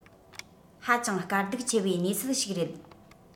ཧ ཅང དཀའ སྡུག ཆེ བའི གནས ཚུལ ཞིག རེད